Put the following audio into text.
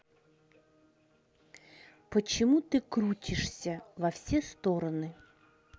почему ты крутишься во все стороны